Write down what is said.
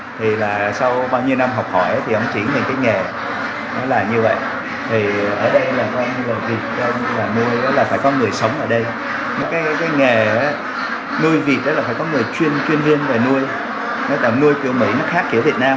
thì là sau bao nhiêu năm học hỏi ổng chuyển về cái nghề nó là như vậy thì ở đây coi như là nuôi là phải có người sống ở đây với cái nghề nuôi vịt là phải có người chuyên chuyên chuyên về nuôi nuôi kiểu mỹ khác giữa việt nam